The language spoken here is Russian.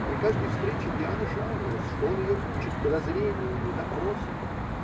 При каждой встрече Диана жаловалась, что он ее мучит подозрениями и допросами.